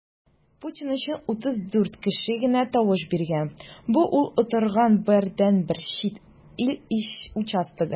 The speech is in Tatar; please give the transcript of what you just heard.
Путин өчен 34 кеше генә тавыш биргән - бу ул оттырган бердәнбер чит ил участогы.